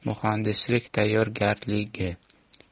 muhandislik tayyorgarligi